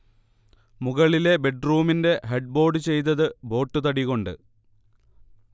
മുകളിലെ ബെഡ്റൂമിന്റെ ഹെഡ്ബോർഡ് ചെയ്തത് ബോട്ട്തടി കൊണ്ട്